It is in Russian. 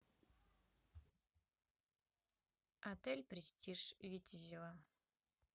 отель престиж витязева